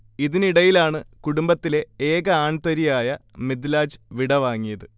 ഇതിനിടയിലാണ് കുടുംബത്തിലെ ഏക ആൺതരിയായ മിദ്ലാജ് വിടവാങ്ങിയത്